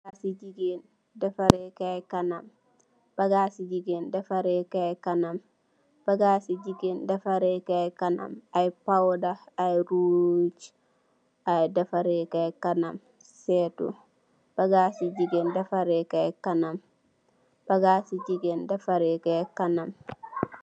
Bagasi jigeen defareh kai kanam , bagasi jigeen defareh kai kanam , jigeen defareh kai kanam ay powda ay rugg ay defareh kai kanam seetu bagasi jigeen defareh kai kanam bagasi jigeen defareh kai kanam.